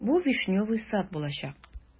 Бу "Вишневый сад" булачак.